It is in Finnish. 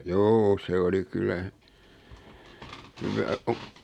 juu se oli kyllä hyvää -